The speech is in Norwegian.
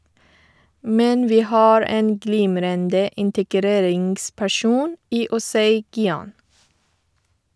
Men vi har en glimrende integreringsperson i Osei Gyan.